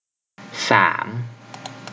สาม